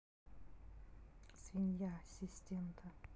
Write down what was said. свинья ассистента